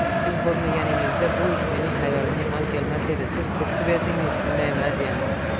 siz bo'lmaganingizda bu ish mening xayolimga ham kelmas edi siz turtki berdingiz shundaymi a jiyanim